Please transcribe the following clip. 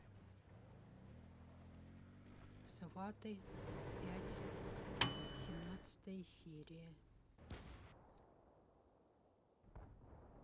сваты пять семнадцатая серия